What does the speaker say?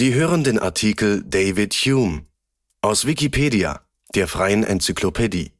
hören den Artikel David Hume, aus Wikipedia, der freien Enzyklopädie